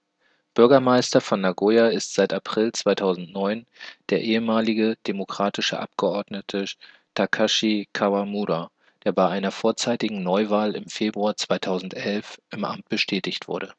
Bürgermeister von Nagoya ist seit April 2009 der ehemalige demokratische Abgeordnete Takashi Kawamura, der bei einer vorzeitigen Neuwahl im Februar 2011 im Amt bestätigt wurde